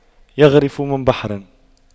يَغْرِفُ من بحر